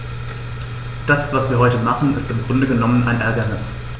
Das, was wir heute machen, ist im Grunde genommen ein Ärgernis.